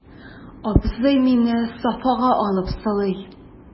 Абзый мине софага алып сылый.